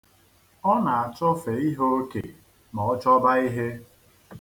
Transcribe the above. Ọ na-achọfe ihe oke ma ọ chọba ihe.